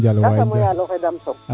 yasam o yaal oxe damtong